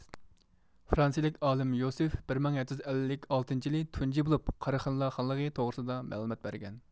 فرانسىيىلىك ئالىم يوسىف بىر مىڭ يەتتە يۈز ئەللىك ئالتىنچى يىلى تۇنجى بولۇپ قاراخانىيلار خانلىقى توغرىسىدا مەلۇمات بەرگەن